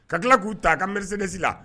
Ka tila k'u ta a ka miesi la